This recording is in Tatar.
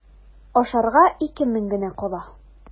Ашарга ике мең генә кала.